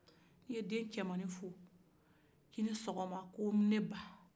i ye den cɛmanin fo k'i ni sɔgɔma ko ne ba